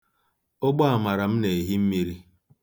Ụgbọamara m na-ehi mmiri.